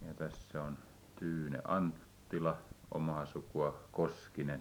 ja tässä on Tyyne Anttila omaa sukua Koskinen